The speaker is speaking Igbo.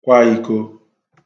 kwa īkō